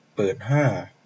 เปิดห้า